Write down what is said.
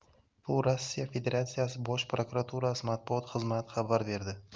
bu rossiya federatsiyasi bosh prokuraturasi matbuot xizmati xabar berdi